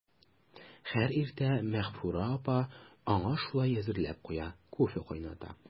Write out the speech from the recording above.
Һәр иртә Мәгъфүрә апа аңа шулай әзерләп куя, кофе кайната.